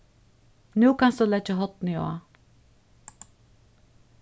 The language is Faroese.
nú kanst tú leggja hornið á